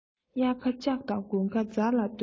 དབྱར ཁ ལྕགས དང དགུན ཁ རྫ ལ ལྟོས